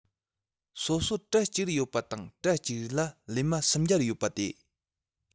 སོ སོར གྲལ གཅིག རེ ཡོད པ དང གྲལ གཅིག རེ ལ ལེབ མ སུམ བརྒྱ ཡོད པ དེ